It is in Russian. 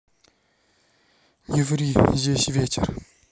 не ври здесь ветер